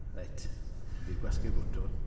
Reit, fi'n gwasgu'r bwtwn.